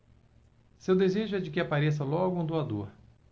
seu desejo é de que apareça logo um doador